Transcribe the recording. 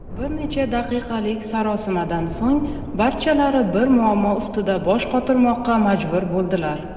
bir necha daqiqalik sarosimadan so'ng barchalari bir muammo ustida bosh qotirmoqqa majbur bo'ldilar